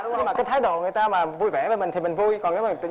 nhưng mà cái thái độ của người ta mà vui vẻ với mình thì mình vui còn nếu mà